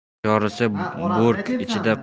bosh yorilsa bo'rk ichida